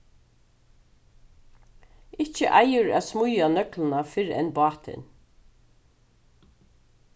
ikki eigur at smíða nøgluna fyrr enn bátin